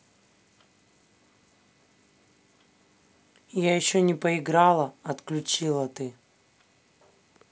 я еще не поиграла отключила ты